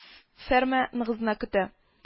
Фәрма ныгызны көтә